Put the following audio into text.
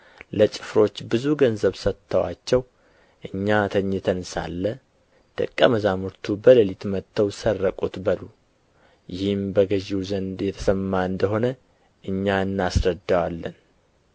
ለጭፍሮች ብዙ ገንዘብ ሰጥተዋቸው እኛ ተኝተን ሳለን ደቀ መዛሙርቱ በሌሊት መጥተው ሰረቁት በሉ ይህም በገዢው ዘንድ የተሰማ እንደ ሆነ እኛ እናስረዳዋለን